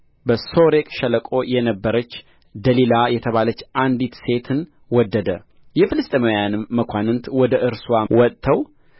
በሶሬቅ ሸለቆ የነበረች ደሊላ የተባለች አንዲት ሴትን ወደደ የፍልስጥኤማውያንም መኳንንት ወደ እርስዋ ወጥተው